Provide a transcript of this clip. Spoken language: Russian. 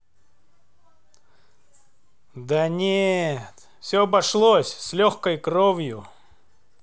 да нет все обошлось с легкой кровью